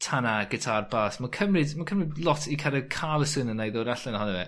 tanna' gitâr bâs ma'n cymryd ma'n cymryd lot i kind of ca'l y swyn yna i dod allan ohono fe.